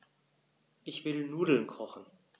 Ich will Nudeln kochen.